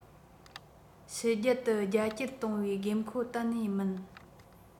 ཕྱི རྒྱལ དུ རྒྱ སྐྱེད གཏོང བའི དགོས མཁོ གཏན ནས མིན